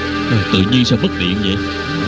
tự nhiên sao mất điện dậy